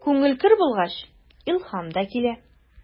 Күңел көр булгач, илһам да килә.